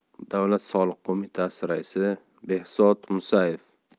davlat soliq qo'mitasi raisi behzod musayev